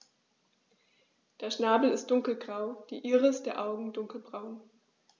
Der Schnabel ist dunkelgrau, die Iris der Augen dunkelbraun.